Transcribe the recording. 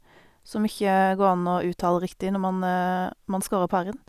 Som ikke går an å uttale riktig når man man skarrer på r-en.